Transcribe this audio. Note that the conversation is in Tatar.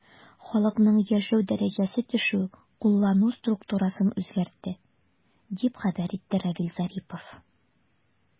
Халыкның яшәү дәрәҗәсе төшү куллану структурасын үзгәртте, дип хәбәр итте Равиль Зарипов.